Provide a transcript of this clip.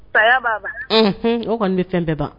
Pa b'a o kɔni ne fɛn bɛ ban